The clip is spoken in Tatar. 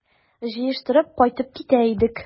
Җыештырып кайтып китә идек...